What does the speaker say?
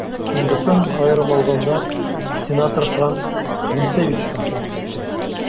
Соңгысын, аерым алганда, сенатор Франц Клинцевич ташлап китте.